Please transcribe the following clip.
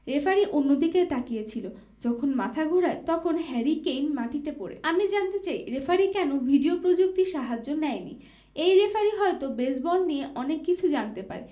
referee অন্যদিকে তাকিয়ে ছিল যখন মাথা ঘোরায় তখন হ্যারি কেইন মাটিতে পড়ে আমি জানতে চাই রেফারি কেন ভিডিও প্রযুক্তির সাহায্য নেয়নি এই রেফারি হয়তো বেসবল নিয়ে অনেক কিছু জানতে পারে